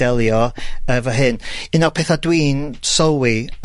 ...delio efo hyn. Un o'r petha dwi'n sylwi